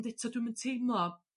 ond eto dwi'm yn teimlo